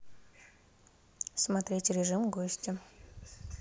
смотреть режим гостя